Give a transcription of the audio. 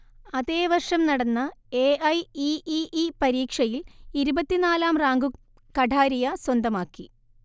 അതേവർഷം നടന്ന A I E E E പരീക്ഷയിൽ ഇരുപത്തിനാലാം റാങ്കും കഠാരിയ സ്വന്തമാക്കി